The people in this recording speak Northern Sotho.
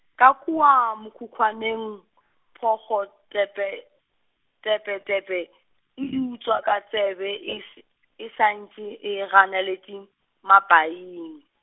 ka kua mokhukhwaneng , phokgo tepe, tepetepe, e di utswa ka tsebe e s-, e sa ntše e ganeletše, mapaing.